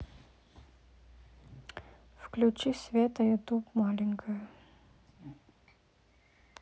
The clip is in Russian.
включи света ютуб маленькая